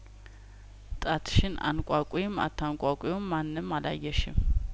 ጣትሽን አንቋቂውም አታንቋቂውም ማንም አላየሽም